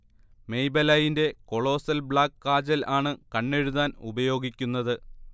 മെയ്ബെലൈന്റെ colossal black kajal ആണ് കണ്ണെഴുതാൻ ഉപയോഗിക്കുന്നത്